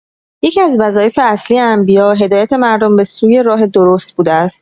یکی‌از وظایف اصلی انبیاء هدایت مردم به سوی راه درست بوده است.